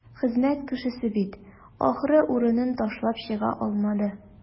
Хезмәт кешесе бит, ахры, урынын ташлап чыга алмады.